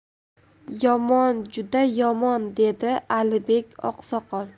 yomon juda yomon dedi alibek oqsoqol